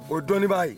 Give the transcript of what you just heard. O dɔnnibaga in